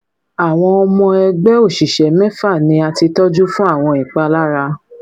Àwọn ọmọ ẹgbẹ́ òṣìṣẹ́ mẹ́fà ni a ti tọ́jú fún àwọn ìpalára.